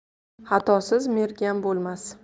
xatosiz mergan bo'lmas